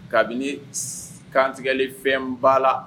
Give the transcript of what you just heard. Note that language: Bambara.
Kabini kantigɛli fɛn ba la